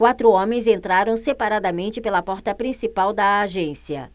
quatro homens entraram separadamente pela porta principal da agência